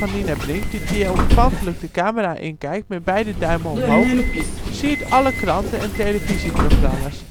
Nina Brink, die triomfantelijk de camera inkijkt met beide duimen omhoog, siert alle kranten en televisieprogramma 's